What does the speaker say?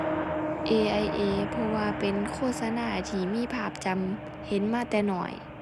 AIA เพราะว่าเป็นโฆษณาที่มีภาพจำ เห็นมาแต่น้อย